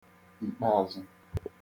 ìkpèazụ̄